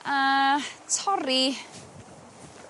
a torri